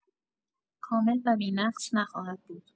کامل و بی‌نقص نخواهد بود.